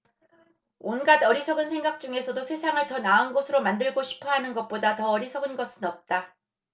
온갖 어리석은 생각 중에서도 세상을 더 나은 곳으로 만들고 싶어 하는 것보다 더 어리석은 것은 없다